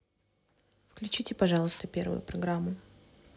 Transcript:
включить пожалуйста первую программу